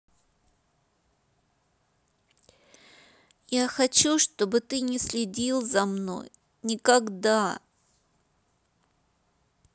я хочу чтобы ты не следил за мной никогда